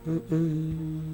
H